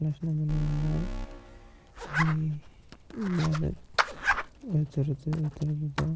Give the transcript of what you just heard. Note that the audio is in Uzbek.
bilolmay uyalib o'tirdi o'tirdi da